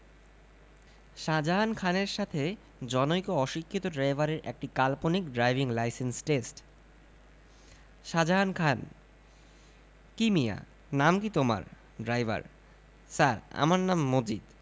শাজাহান খানের সাথে জনৈক অশিক্ষিত ড্রাইভারের একটি কাল্পনিক driving licence test Shahjahan Khan কি মিয়া নাম কি তোমার ড্রাইভার ছার আমার নাম মজিদ